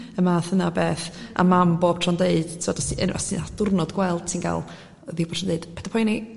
y math yna beth a mam bob tro'n deud t'od os ti unryw os ti'n ca'l diwrnod gwael ti'n ga'l oddi bob tro deu' paid a poeni